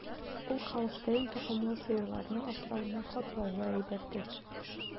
Ул Һолштейн токымлы сыерларны асрауны катлаулы әйбер, ди.